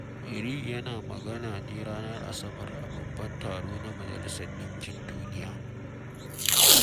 Ri yana magana ne ranar Asabar a Babban Taro na Majalisar Ɗinkin Duniya.